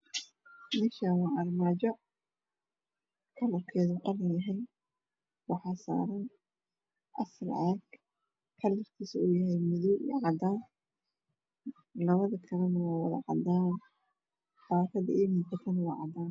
Meeshan waa armaajo kalar keedona oo yhy qaxwi waxaa saaran afar caag kalarkiisuna yhy labada kalene waa cadaan